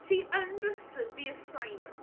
She understood the assignment.